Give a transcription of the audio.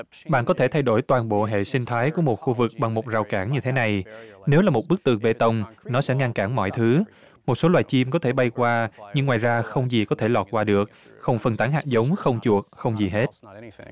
bạn có thể thay đổi toàn bộ hệ sinh thái của một khu vực bằng một rào cản như thế này nếu là một bức tường bê tông nó sẽ ngăn cản mọi thứ một số loài chim có thể bay qua nhưng ngoài ra không gì có thể lọt qua được không phân tán hạt giống không chuột không gì hết